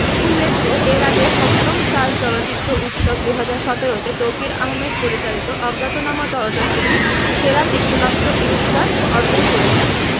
উল্লেখ্য এর আগে ৭ম সার্ক চলচ্চিত্র উৎসব ২০১৭ তে তৌকীর আহমেদ পরিচালিত অজ্ঞাতনামা চলচ্চিত্রটি সেরা চিত্রনাট্য পুরস্কার অর্জন করেছিল